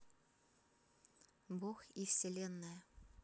бог и вселенная